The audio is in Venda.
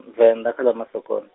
Venḓa kha ḽa Ha Masakona.